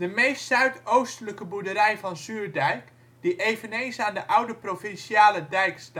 meest zuidoostelijke boerderij van Zuurdijk, die eveneens aan de oude Provinciale Dijk